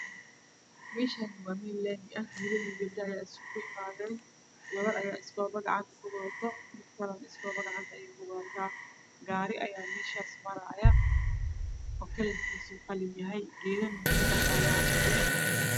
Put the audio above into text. Meeshaan waa meel laami ah wiilal iyo gabdho ayaa iskugu imaaday. Gabar ayaa iskoobe gacanta ku wato gaari ayaa meeshaas maraayo oo kalarkiisu qalin yahay geedana way kabaxaayaan.